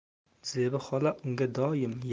zebi xola unga doim